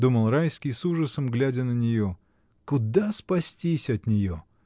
— думал Райский, с ужасом глядя на нее. — Куда спастись от нее?